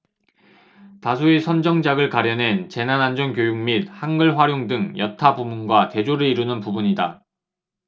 다수의 선정작을 가려낸 재난안전교육 및 한글 활용 등 여타 부문과 대조를 이루는 부분이다